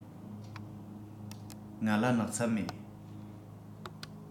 ང ལ སྣག ཚ མེད